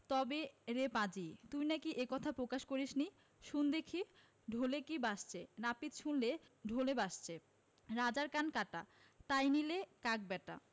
তবে রে পাজি তুই নাকি এ কথা প্রকাশ করিসনি শোন দেখি ঢোলে কী বাজছে নাপিত শুনলে ঢোলে বাজছে ‘রাজার কান কাটা তাই নিলে কাক ব্যাটা